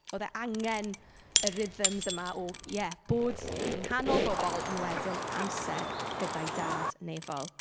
Oedd e angen y rhythms yma o, ie, bod yng nghanol bobl, ond wedyn amser gyda'i dad nefol.